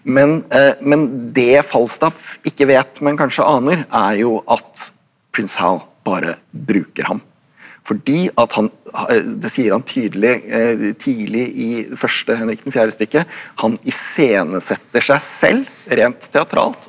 men men det Falstaff ikke vet men kanskje aner er jo at prins Hal bare bruker han fordi at han det sier han tydelig tidlig i første Henrik den fjerde-stykket han iscenesetter seg selv rent teatralt.